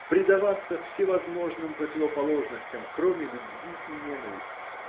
предаваться всевозможным противоположностям кроме любви и ненависти.